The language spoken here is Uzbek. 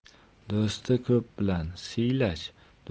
do'sti ko'p bilan siylash